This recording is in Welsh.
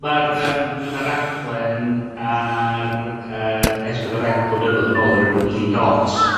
Ma'r ymm mi o' 'na raglen ar yy Ess Pedwar Ec blynyddedd yn ôl, o'r enw i dot.